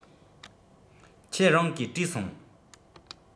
ཁྱེད རང གིས དྲིས སོང